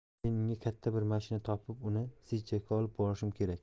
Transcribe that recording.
keyin unga katta bir mashina topib uni sijjakka olib borishim kerak